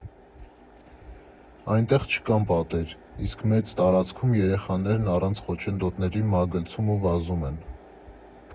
Այնտեղ չկան պատեր, իսկ մեծ տարածքում երեխաներն առանց խոչընդոտների մագլցում ու վազում են։